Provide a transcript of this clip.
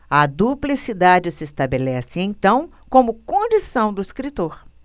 a duplicidade se estabelece então como condição do escritor